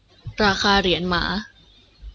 ราคาเหรียญหมา